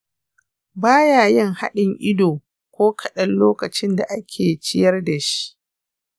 ba ya yin haɗin ido ko kaɗan lokacin da ake ciyar da shi.